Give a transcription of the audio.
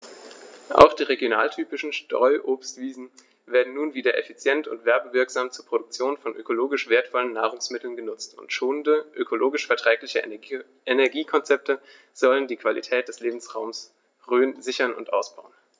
Auch die regionaltypischen Streuobstwiesen werden nun wieder effizient und werbewirksam zur Produktion von ökologisch wertvollen Nahrungsmitteln genutzt, und schonende, ökologisch verträgliche Energiekonzepte sollen die Qualität des Lebensraumes Rhön sichern und ausbauen.